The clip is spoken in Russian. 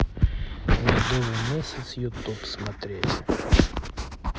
медовый месяц ютуб смотреть